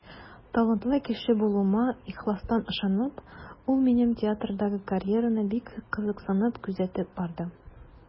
Талантлы кеше булуыма ихластан ышанып, ул минем театрдагы карьераны бик кызыксынып күзәтеп барды.